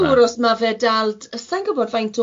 Fi ddim yn siŵr os ma' fe dal d- sa i'n gwbod faint